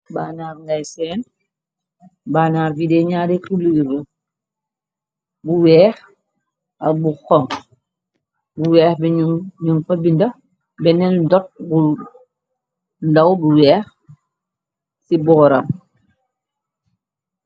Baanaar ngay seen baanaar gi dee ñyarri colour bu weex ak bu xom bu weex bi ñum pat binda benneenu dot bu ndaw bu weex ci booram.